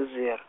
uziro-.